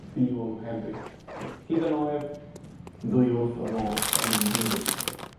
fyw yng Nghemru ie hyd yn oedd dwy wrth fy modd yn fyw yn Cymru.